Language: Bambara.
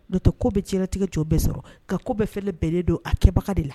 Dontɔ ko bɛ citigɛ cogo bɛɛ sɔrɔ ka ko bɛɛ fɛ bɛɛnen don a kɛbaga de la